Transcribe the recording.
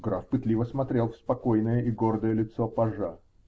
Граф пытливо смотрел в спокойное и гордое лицо пажа.